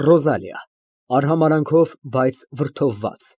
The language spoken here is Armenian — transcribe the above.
ՌՈԶԱԼԻԱ ֊ (Արհամարանքով, բայց վրդովված)։